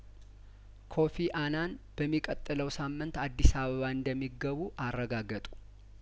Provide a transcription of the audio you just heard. ኮፊ አናን በሚቀጥለው ሳምንት አዲስ አበባ እንደሚገቡ አረጋገጡ